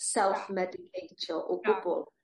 self medicato o gwbwl.